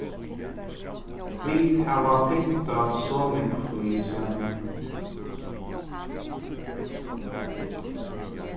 vit hava pyntað so nógv í salinum